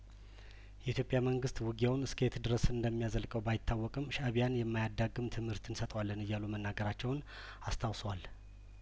የኢትዮጵያ መንግስት ውጊያውን እስከየት ድረስ እንደሚያዘልቀው ባይታወቅም ሻእቢያን የማያዳግም ትምህርት እንሰጠዋለን እያሉ መናገራቸውን አስታውሷል